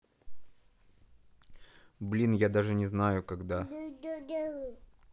блин я даже не знаю когда